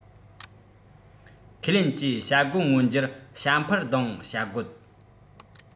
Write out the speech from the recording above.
ཁས ལེན གྱིས བྱ རྒོད མངོན འགྱུར བྱ འཕུར ལྡང བྱ རྒོད